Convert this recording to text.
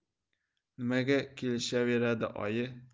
nimaga kelishaveradi oyi